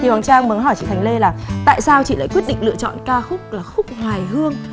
thì hồng trang muốn hỏi chị thành lê là tại sao chị lại quyết định lựa chọn ca khúc điệp khúc hoài hương